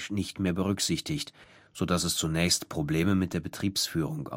nicht mehr berücksichtigt, so dass es zu Problemen mit der Betriebsführung